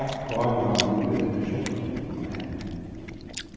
eitt tár rann niður eftir kjálkanum á henni